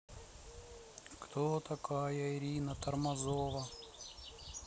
кто такая ирина тормозова